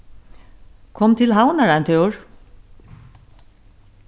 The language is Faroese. kom til havnar ein túr